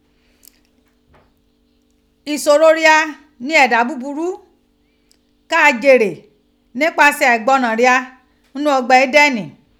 Isoro ria ni eda buburu ka jere nipase aigboran ria n nu ogba Edeni.